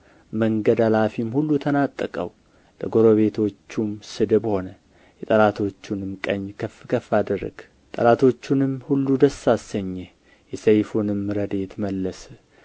መንገድ አላፊም ሁሉ ተናጠቀው ለጎረቤቶቹም ስድብ ሆነ የጠላቶቹንም ቀኝ ከፍ ከፍ አደረግህ ጠላቶቹንም ሁሉ ደስ አሰኘህ የሰይፉንም ረድኤት መለስህ